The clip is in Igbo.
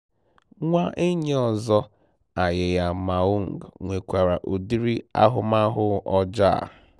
Nwa enyi ọzọ, Ayeyar Maung, nwekwara udiri ahụmahụ ọjọọ a.